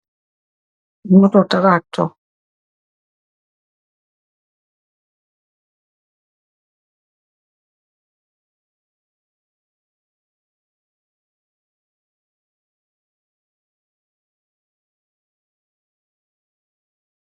Moto tractoo